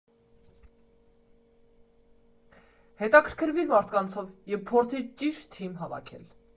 Հետաքրքրվիր մարդկանցով և փորձիր ճիշտ թիմ հավաքել։